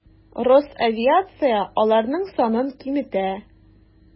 Росавиация аларның санын киметә.